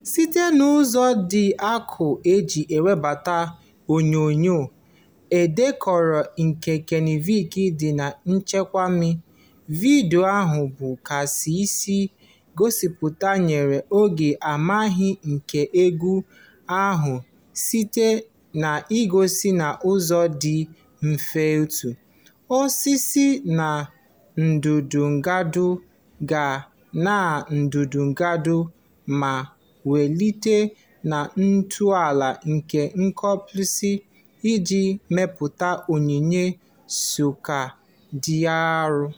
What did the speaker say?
Site n'ụzọ dị akọ o ji webata onyoonyo e dekọrọ nke Kanịva dị na nchekwami, vidiyo ahụ bụ keisi gosipụtawanyere oke amamihe nke egwu ahụ site n'igosi n'ụzọ dị mfe etu o si si na ndụdụgandụ gaa na ndụdụgandụ ma wulite na ntọala nke kalịpso iji mepụta onyinye sọka dị ọhụrụ.